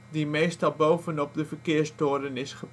die meestal bovenop de verkeerstoren is